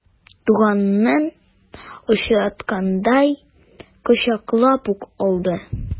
Туганын очраткандай кочаклап ук алды.